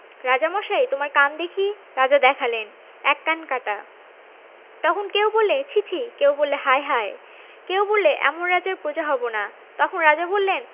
রাজামশাই তোমার কান দেখি রাজা দেখালেন এক কান কাটা তখন কেউ বললে ছি ছি' কেউ বললে হায় হায় কেউ বললে এমন রাজার প্ৰজা হব না তখন রাজা বললেন